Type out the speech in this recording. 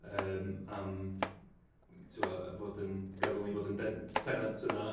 yym am timod fod yn gadael i ni fod yn den- tenants yna.